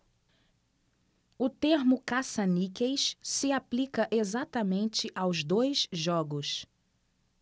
o termo caça-níqueis se aplica exatamente aos dois jogos